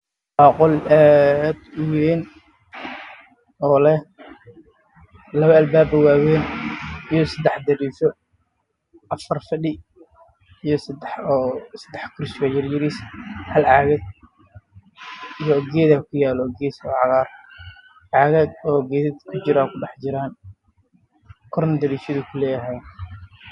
Waa qol aad uqurux badan dhulka waa roog